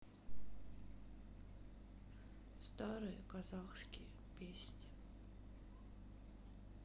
старые казахские песни